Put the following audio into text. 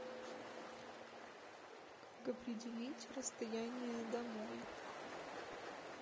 как определить расстояние домой